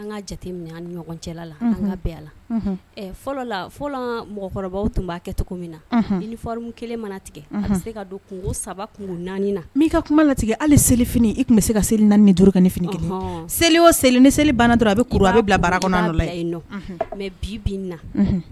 Ka la fɔlɔ fɔlɔ mɔgɔkɔrɔbaw tun b'a kɛ cogo min nafa kelen mana tigɛ ka don saba naani nai ka kuma latigɛ hali seli fini tun bɛ se ka seli ni duuruuruk fini seli o seli ni selibana don a bɛ a bɛ bila bara mɛ na